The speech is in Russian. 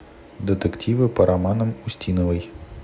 детективы по романам устиновой